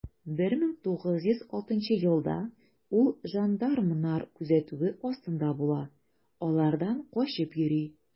1906 елда ул жандармнар күзәтүе астында була, алардан качып йөри.